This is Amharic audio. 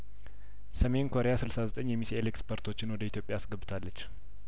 ሰሜን ኮሪያ ስልሳ ዘጠኝ የሚሳይል ኤክስፐርቶችን ወደ ኢትዮጵያ አስገብታለች